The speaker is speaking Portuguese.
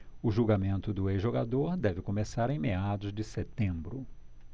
o julgamento do ex-jogador deve começar em meados de setembro